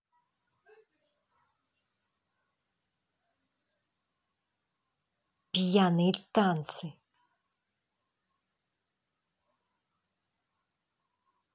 пьяные танцы